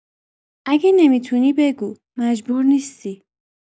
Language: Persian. اگه نمی‌تونی بگو، مجبور نیستی